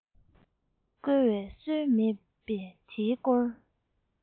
བསྐོ བའི སྲོལ མེད པས དེའི སྐོར